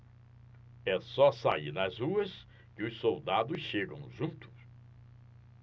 é só sair nas ruas que os soldados chegam junto